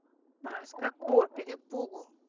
это с какого перепугу